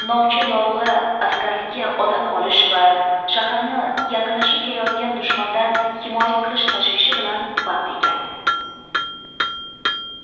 novcha dorug'a askarlikka odam olish va shaharni yaqinlashib kelayotgan dushmandan himoya qilish tashvishi bilan band ekan